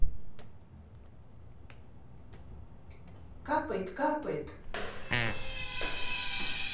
капает капает